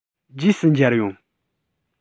རྗེས སུ མཇལ ཡོང